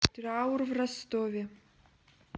траур в ростове